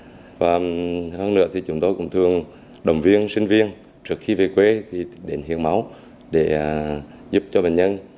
và hơn nữa thì chúng tôi cũng thường động viên sinh viên trước khi về quê thì đến hiến máu để giúp cho bệnh nhân